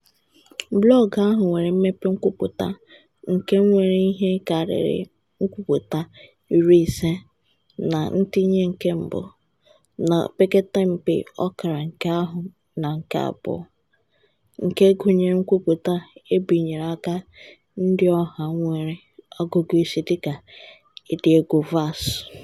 Blọọgụ ahụ nwere mmepe nkwupụta, nke nwere ihe karịrị nkwupụta 50 na ntinye nke mbụ, na opekata mpe ọkara nke ahụ na nke abụọ, nke gụnyere nkwupụta e binyere aka ndị ọha nwere ọgụgụisi dịka Edígio Vaz [pt].